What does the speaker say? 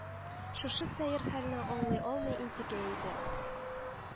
Шушы сәер хәлне аңлый алмый интегә иде